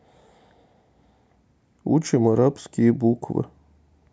учим арабские буквы